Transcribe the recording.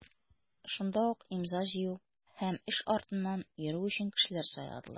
Шунда ук имза җыю һәм эш артыннан йөрү өчен кешеләр сайладылар.